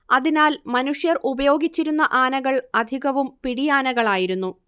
അതിനാൽ മനുഷ്യർ ഉപയോഗിച്ചിരുന്ന ആനകൾ അധികവും പിടിയാനകളായിരുന്നു